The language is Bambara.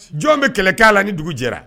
Jɔn bɛ kɛlɛ kɛ a la ni dugu jɛra